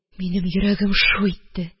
Минем йөрәгем шу итте.